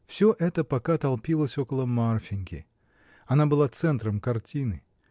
Всё это пока толпилось около Марфиньки. Она была центром картины.